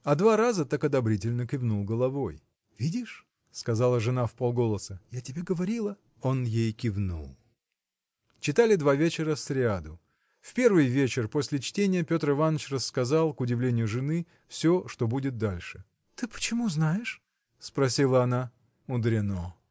а два раза так одобрительно кивнул головой. – Видишь! – сказала жена вполголоса. – Я тебе говорила. Он и ей кивнул. Читали два вечера сряду. В первый вечер после чтения Петр Иваныч рассказал к удивлению жены все что будет дальше. – Ты почему знаешь? – спросила она. – Мудрено!